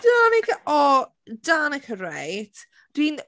Danica! O! Danica, reit? Dwi'n...